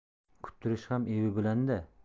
kuttirish ham evi bilan da